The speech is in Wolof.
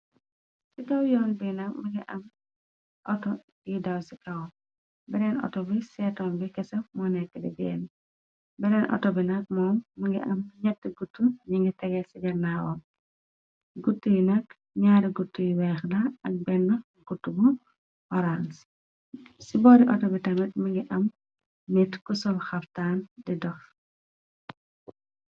Ci kaw yoon bina mangi am auto gi daw ci kaw beneen auto bi seetom bi kesa moo nekk di géen beneen autobi nak moo mi ngi am ñett gut ñi ngi tegee sigarnawopp guutu yu nak ñaari guttu y weex la ak benn gut bu orang ci boori autobi tamit mi ngi am nit ku sol xaftaan di doog.